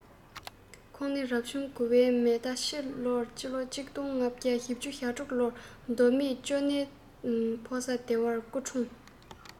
ཁོང ནི རབ བྱུང དགུ བའི མེ རྟ ཕྱི ལོ ༡༥༤༦ ལོར མདོ སྨད ཅོ ནེའི ཕོ ས སྡེ བར སྐུ འཁྲུངས